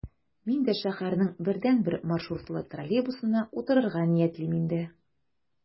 Мин дә шәһәрнең бердәнбер маршрутлы троллейбусына утырырга ниятлим инде...